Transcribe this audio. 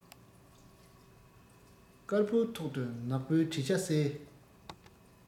དཀར པོའི ཐོག ཏུ ནག པོའི བྲིས ཆ གསལ